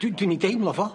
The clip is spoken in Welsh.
Dwi dwi'n 'i deimlo fo.